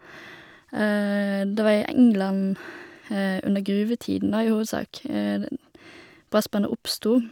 Det var i England under gruvetiden, da, i hovedsak, den brassbandet oppstod.